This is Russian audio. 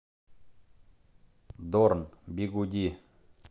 дорн бигуди